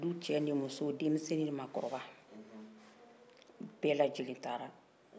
dugu cɛ ni muso denmisɛn ni maakɔrɔba u bɛɛ lajɛlen taara